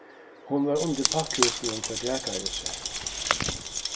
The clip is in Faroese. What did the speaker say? hon var undir pakkhúsinum hjá grækarisi